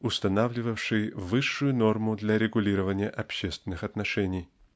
устанавливавшей высшую норму для регулирования общественных отношений.